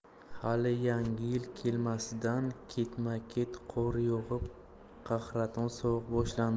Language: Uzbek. hali yangi yil kelmasidan ketma ket qor yog'ib qahraton sovuq boshlandi